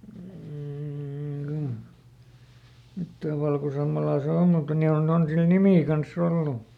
mm jotta valkosammalaa se on mutta niin on on sillä nimi kanssa ollut